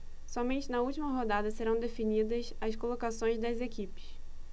somente na última rodada serão definidas as colocações das equipes